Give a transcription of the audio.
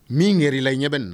Min yɛrɛ i la ɲɛ bɛ na